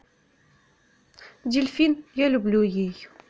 дельфин я люблю ей